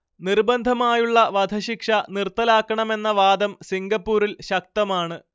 നിർബന്ധമായുള്ള വധശിക്ഷ നിർത്തലാക്കണമെന്ന വാദം സിംഗപ്പുറിൽ ശക്തമാണ്